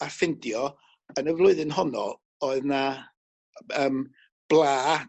a ffindio yn y flwyddyn honno oedd 'na yym bla